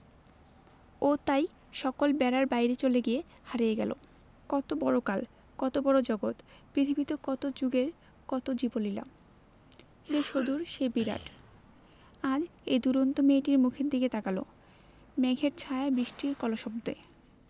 ও তাই সকল বেড়ার বাইরে চলে গিয়ে হারিয়ে গেল কত বড় কাল কত বড় জগত পৃথিবীতে কত জুগের কত জীবলীলা সেই সুদূর সেই বিরাট আজ এই দুরন্ত মেয়েটির মুখের দিকে তাকাল মেঘের ছায়ায় বৃষ্টির কলশব্দে